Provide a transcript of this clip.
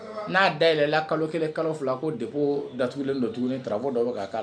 N'a day yɛlɛla kalo kelen kalo fila ko de ko datugu kelenlen don tugun tarawele bɔ dɔw bɛ k'a la